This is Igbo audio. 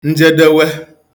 njedewe